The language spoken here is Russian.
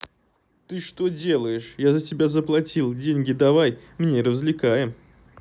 ты что делаешь я за тебя заплатил деньги давай мне развлекаем